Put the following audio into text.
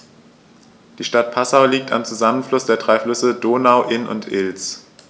Die Stadt Passau liegt am Zusammenfluss der drei Flüsse Donau, Inn und Ilz.